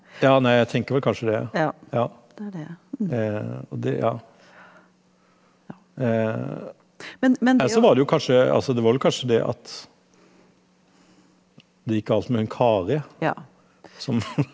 ja nei jeg tenker vel kanskje det ja ja og det ja eller så var det jo kanskje altså det var vel kanskje det at det gikk galt med hun Kari som.